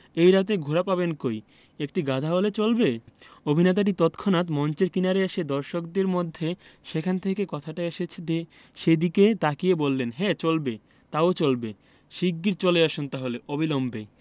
এত রাতে ঘোড়া পাবেন কই একটি গাধা হলে চলবে অভিনেতাটি তৎক্ষনাত মঞ্চের কিনারে এসে দর্শকদের মধ্যে যেখান থেকে কথাটা এসেছে সেদিকে তাকিয়ে বললেন হ্যাঁ চলবে তাও চলবে শিগগির চলে আসুন তাহলে অবিলম্বে